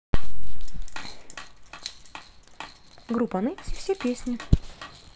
группа нэнси все песни